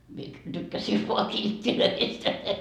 minä tykkäsin vain kilteistä